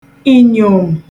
ìnyòm